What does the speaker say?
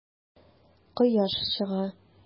Кояш чыга.